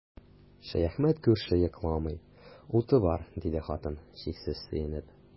Шәяхмәт күрше йокламый, уты бар, диде хатын, чиксез сөенеп.